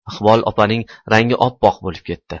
iqbol opaning rangi oppoq bo'lib ketdi